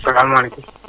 salaamaaleykum